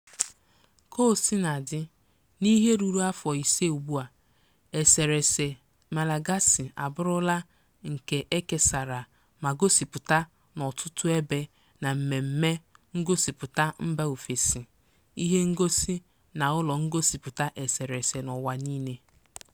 Kaosinadị, n'ihe ruru afọ ise ugbua, eserese Malagasy abụrụla nke e kesara ma gosịpụta n'ọtụtụ ebe na mmemme ngosịpụta mba ofesi, ihengosi, na ụlọ ngosịpụta eserese n'ụwa niile.